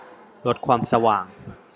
ลดความสว่าง